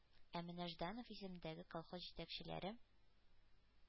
Ә менә Жданов исемендәге колхоз җитәкчеләре